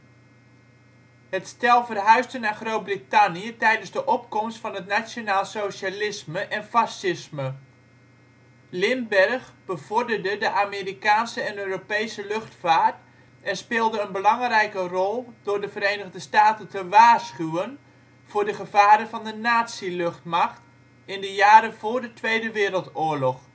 stel verhuisde naar Groot-Brittannië tijdens de opkomst van het nationaalsocialisme en fascisme. Lindbergh bevorderde de Amerikaanse en Europese luchtvaart en speelde een belangrijke rol door de Verenigde Staten te waarschuwen voor de gevaren van de nazi-luchtmacht in de jaren voor de Tweede Wereldoorlog